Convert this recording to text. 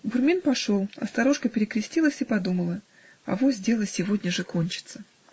Бурмин пошел, а старушка перекрестилась и подумала: авось дело сегодня же кончится!